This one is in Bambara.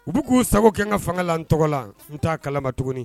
U k'u sago kɛ n ka fanga la tɔgɔ la n taa kalama tuguni